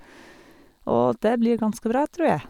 Og det blir ganske bra, tror jeg.